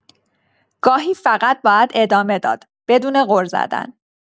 گاهی فقط باید ادامه داد بدون غر زدن